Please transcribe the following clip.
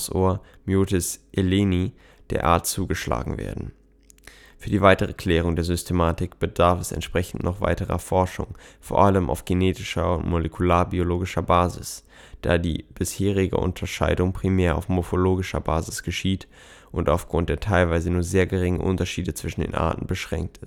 Mausohr (Myotis aelleni) der Art zugeschlagen werden. Für die weitere Klärung der Systematik bedarf es entsprechend noch weiterer Forschung, vor allem auf genetischer und molekularbiologischer Basis, da die bisherige Unterscheidung primär auf morphologischer Basis geschieht und aufgrund der teilweise nur sehr geringen Unterschiede zwischen den Arten beschränkt